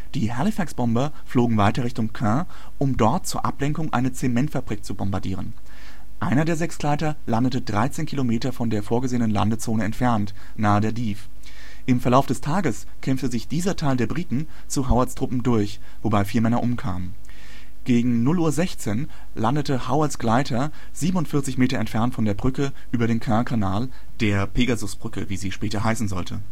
Die Halifax-Bomber flogen weiter Richtung Caen, um dort zur Ablenkung eine Zementfabrik zu bombardieren. Einer der sechs Gleiter landete 13 Kilometer von der vorgesehenen Landezone entfernt, nahe der Dives. Im Verlauf des Tages kämpfte sich dieser Teil der Briten zur Howards Truppen durch, wobei vier Männer umkamen. Gegen 0:16 Uhr landete Howards Gleiter 47 Meter entfernt von der Brücke über den Caen-Kanal, der Pegasusbrücke, wie sie später heißen sollte